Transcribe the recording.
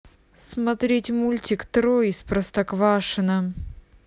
смотреть мультик трое из простоквашино